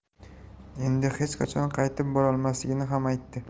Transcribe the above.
endi hech qachon qaytib bormasligini ham aytdi